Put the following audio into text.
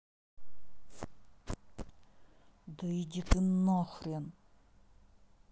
да иди ты нахрен